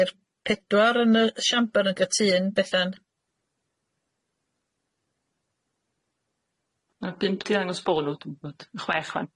Dy'r pedwar yn y siambr yn gytun Bethan? Ma na bump di dangos bo nw, chwech rwan.